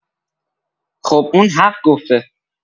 خب اون حق گفته